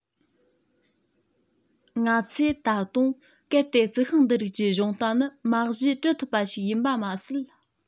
ང ཚོས ད དུང གལ ཏེ རྩི ཤིང འདི རིགས ཀྱི གཞོང རྟ ནི མ གཞི དཀྲི ཐུབ པ ཞིག ཡིན པ མ ཟད